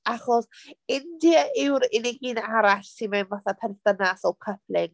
Achos India yw'r unig un arall sydd mewn fatha perthynas or coupling...